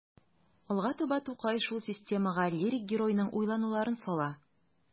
Алга таба Тукай шул системага лирик геройның уйлануларын сала.